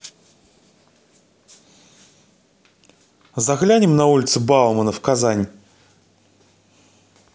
заглянем на улицу баумана в казань